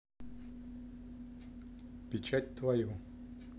печать твою